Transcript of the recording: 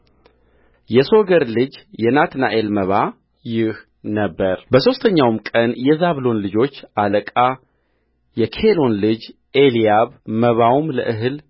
የሶገር ልጅ የናትናኤ መባ ይህ ነበረበሦስተኛውም ቀን የዛብሎን ልጆች አለቃ የኬሎን ልጅ ኤልያብ ለመባውም ለእህል